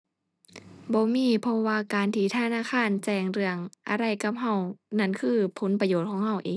บ่มี เพราะว่าการที่ธนาคารแจ้งเรื่องอะไรกับเรา นั่นคือผลประโยชน์ของเราเอง